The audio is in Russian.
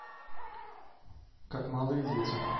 как малые дети